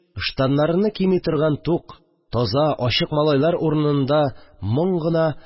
Ыштанарыны кими торган тук, таза, ачык малайлар урынында моң гына